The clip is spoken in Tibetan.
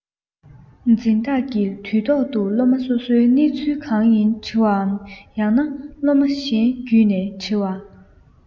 འཛིན བདག གིས དུས ཐོག ཏུ སློབ མ སོ སོའི གནས ཚུལ གང ཡིན དྲི བའམ ཡང ན སློབ མ གཞན བརྒྱུད ནས དྲི བ